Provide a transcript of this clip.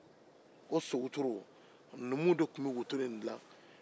numuw de tun bɛ wotoro in dila